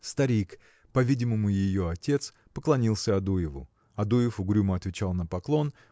Старик, по-видимому ее отец, поклонился Адуеву. Адуев угрюмо отвечал на поклон